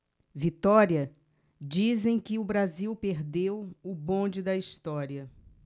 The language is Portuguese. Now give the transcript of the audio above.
vitória dizem que o brasil perdeu o bonde da história